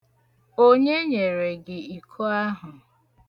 Onye nyere gị iko ahụ?